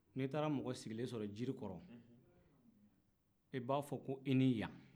n'i taara mɔgɔ sigilen sɔrɔ jiri kɔrɔ i b'a fɔ ko e ni yan